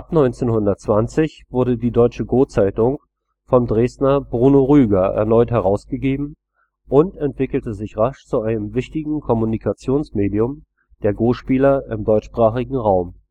1920 wurde die Deutsche Go-Zeitung vom Dresdner Bruno Rüger erneut herausgegeben und entwickelte sich rasch zu einem wichtigen Kommunikationsmedium der Go-Spieler im deutschsprachigen Raum